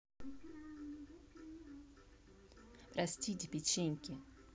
простите печеньки